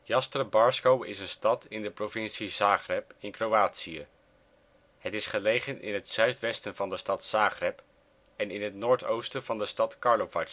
Jastrebarsko is een stad in de provincie Zagreb, Kroatië. Het is gelegen in het zuid-westen van de stad Zagreb en in het noord-oosten van de stad Karlovac